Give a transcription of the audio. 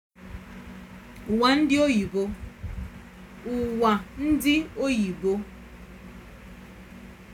ụ̀wà ndị òyìbo